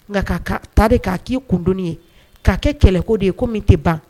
Nka' ta de k'a k'i kund ye k'a kɛ kɛlɛko de ye ko min tɛ ban